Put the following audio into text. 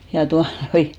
ja tuota noin